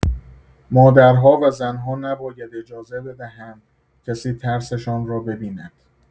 مادرها و زن‌ها نباید اجازه بدهند کسی ترسشان را ببیند.